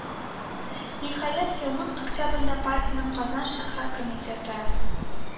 Ниһаять, елның октябрендә партиянең Казан шәһәр комитеты